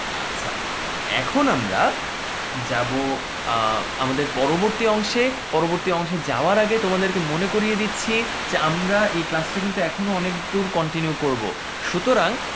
আচ্ছা এখন আমরা যাব আমাদের পরবর্তী অংশে পরবর্তী অংশে যাওয়ার আগে তোমাদেরকে মনে করিয়ে দিচ্ছি আমরা এই ক্লাস টি কিন্তু এখনো অনেক দূর কন্টিনিউ করব সুতরাং